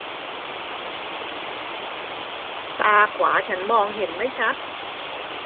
ตาขวาฉันมองเห็นไม่ชัด